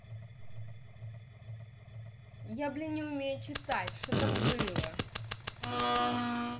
я блин не умею читать что там было